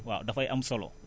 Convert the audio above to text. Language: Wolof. waaw dafay am solo